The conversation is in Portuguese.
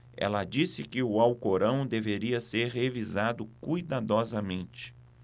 ela disse que o alcorão deveria ser revisado cuidadosamente